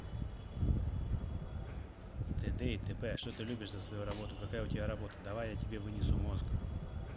тд и тп а что ты любишь за свою работу какая у тебя работа давай я тебе вынесу мозг